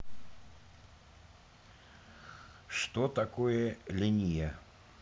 что такое ления